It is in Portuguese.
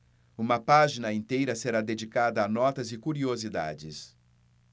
uma página inteira será dedicada a notas e curiosidades